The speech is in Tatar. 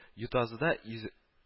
Ютазыда изе